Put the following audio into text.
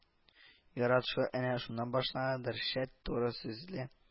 Яратышу әнә шуннан башланадыр шәт, туры сүзле